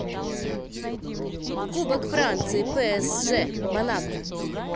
кубок франции псж монако